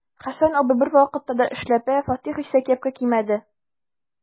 Хәсән абзый бервакытта да эшләпә, Фатих исә кепка кимәде.